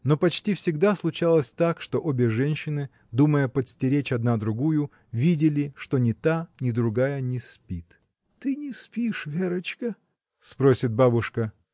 Но почти всегда случалось так, что обе женщины, думая подстеречь одна другую, видели, что ни та ни другая не спит. — Ты не спишь, Верочка? — спросит бабушка.